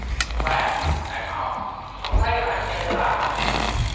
không có bán đang họp không thấy cái bảng treo chà bá ngoài á hả